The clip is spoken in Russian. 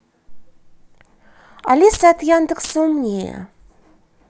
алиса от яндекса умнее